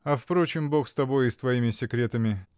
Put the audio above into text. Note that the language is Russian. А впрочем, Бог с тобой и с твоими секретами!